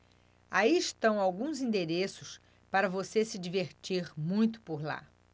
aí estão alguns endereços para você se divertir muito por lá